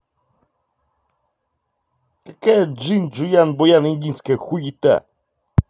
какая jean juan буян индийская хуета